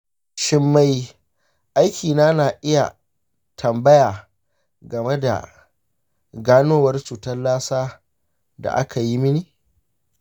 shin mai aikina na iya tambaya game da ganowar cutar lassa da aka yi mini?